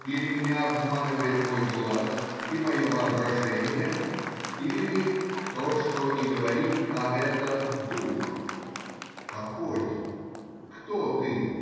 Или меня обманывает мой глаз и мое воображение, или кто что ни говори, а это дух. Какой? Кто ты?